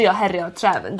...trio herio'r trefn...